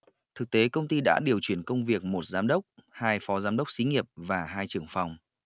thực tế công ty đã điều chuyển công việc một giám đốc hai phó giám đốc xí nghiệp và hai trưởng phòng